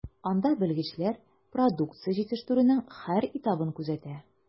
Анда белгечләр продукция җитештерүнең һәр этабын күзәтә.